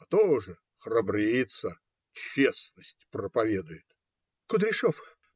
А тоже храбрится, честность проповедует! - Кудряшов!